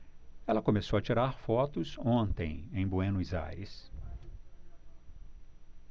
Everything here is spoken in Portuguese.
ela começou a tirar fotos ontem em buenos aires